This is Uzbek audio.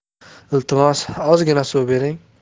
iltimos ozgina suv bering